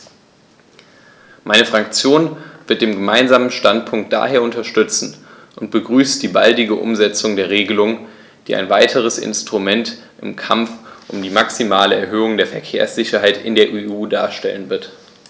Meine Fraktion wird den Gemeinsamen Standpunkt daher unterstützen und begrüßt die baldige Umsetzung der Regelung, die ein weiteres Instrument im Kampf um die maximale Erhöhung der Verkehrssicherheit in der EU darstellen wird.